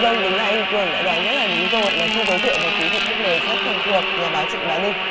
vâng đúng là anh cường là đúng rồi mà xin giới thiệu với quý vị khách mời rất thần thuộc nhà báo trịnh bá ninh